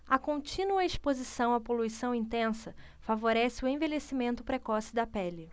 a contínua exposição à poluição intensa favorece o envelhecimento precoce da pele